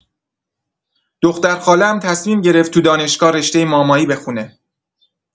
دخترخاله‌ام تصمیم گرفت تو دانشگاه رشته مامایی بخونه.